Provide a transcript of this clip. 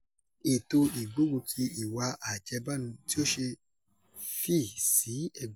Ètò ìgbógunti ìwà àjẹbánu ti o ṣẹ fì sí ẹ̀gbẹ́ kan.